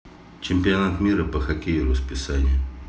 чемпионат мира по хоккею расписание